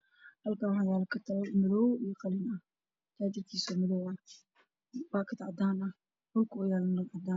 Waxaa ii muuqata tarmuus shaaha lagu kariyo oo midabkiisu yahay miis cadaan ayuu saaran yahay